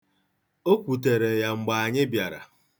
O kwutere ya mgbe anyị bịara.